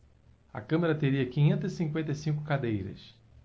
a câmara teria quinhentas e cinquenta e cinco cadeiras